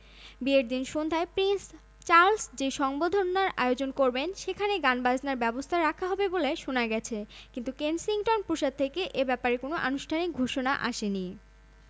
বিয়ের দিন সন্ধ্যায় প্রিন্স চার্লস যে সংবর্ধনার আয়োজন করবেন সেখানে গানবাজনার ব্যবস্থা রাখা হবে বলে শোনা গেছে কিন্তু কেনসিংটন প্রাসাদ থেকে এ ব্যাপারে কোনো আনুষ্ঠানিক ঘোষণা আসেনি